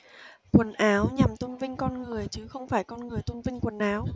quần áo nhằm tôn vinh con người chứ không phải con người tôn vinh quần áo